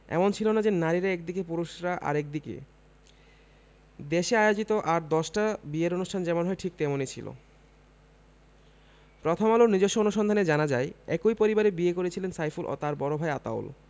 এমন ছিল না যে নারীরা একদিকে পুরুষেরা আরেক দিকে দেশে আয়োজিত আর দশটা বিয়ের অনুষ্ঠান যেমন হয় ঠিক তেমনি ছিল প্রথম আলোর নিজস্ব অনুসন্ধানে জানা যায় একই পরিবারে বিয়ে করেছিলেন সাইফুল ও তাঁর বড় ভাই আতাউল